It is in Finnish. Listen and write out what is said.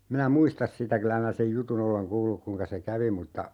minä muista sitä kyllä minä sen jutun olen kuullut kuinka se kävi mutta